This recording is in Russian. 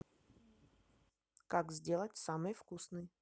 как сделать самый вкусный